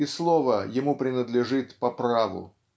и слово ему принадлежит по праву.